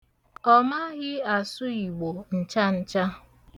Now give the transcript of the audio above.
Ọ maghị asụ Igbo ncha ncha.